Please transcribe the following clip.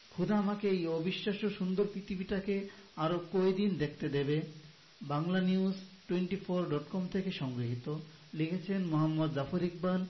খোদা আমাকে এই অবিশ্বাস্য সুন্দর পৃথিবীটিকে আরো কয়দিন দেখতে দেবে বাংলানিউজ টোয়েন্টিফোর ডট কম থেকে সংগৃহীত লিখেছেন মুহাম্মদ জাফর ইকবাল